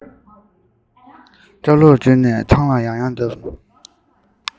སྐྲ ལོར འཇུས ནས ཐང ལ ཡང ཡང བརྡབས